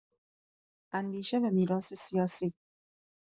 اندیشه و میراث سیاسی